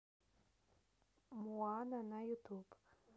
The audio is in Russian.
моана на ютуб